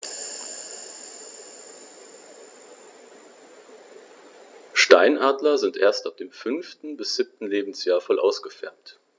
Steinadler sind erst ab dem 5. bis 7. Lebensjahr voll ausgefärbt.